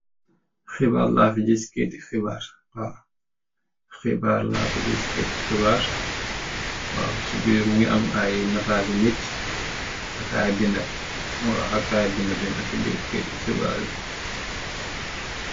Xibaar laa fi gis, kayiti xibaar, waaw. Xibaar laa fi gis, kayiti xibaar. Waaw, si biir mu ngi am ay nataal I nit, ak ay bindë .Waaw, ak ay bindë bindë si biir kayiti xibaar yi.